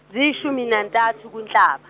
ziyishumi nantathu kuNhlaba.